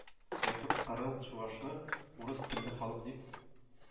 Якут, карел, чуашны «урыс телле халык» дип